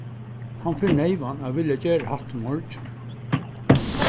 hann fer neyvan at vilja gera hatta í morgin